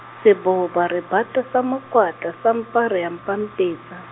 seboba re bata sa mokwatla sa mpa re a mpampetsa.